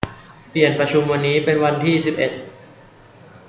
เปลี่ยนประชุมวันนี้เป็นวันที่สิบเอ็ด